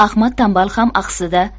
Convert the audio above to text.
ahmad tanbal ham axsida